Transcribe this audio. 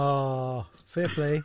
O, fair play.